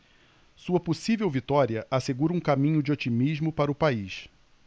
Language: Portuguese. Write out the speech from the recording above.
sua possível vitória assegura um caminho de otimismo para o país